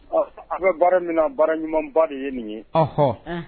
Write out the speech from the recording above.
Ɔ an bɛ baara min baara ɲumanba de ye nin ye ɔhɔnɔ